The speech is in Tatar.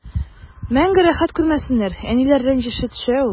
Мәңге рәхәт күрмәсеннәр, әниләр рәнҗеше төшә ул.